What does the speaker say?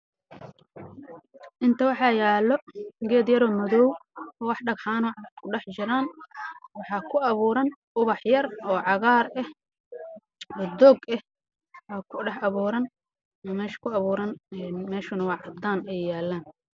Meeshaan waxaa yaalo geed yar oo madow oo ku dhax abuuran ubax yar